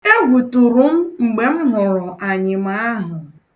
Egwu tụrụ m mgbe m hụrụ anyị m ahụ.